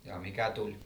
jaa mikä tuli